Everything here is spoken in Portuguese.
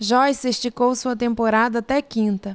joice esticou sua temporada até quinta